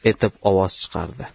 deb ovoz chiqardi